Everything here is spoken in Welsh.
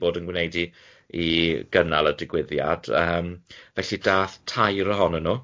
bod yn gwneud i- i gynnal y digwyddiad yym felly dath tair ohonyn nhw.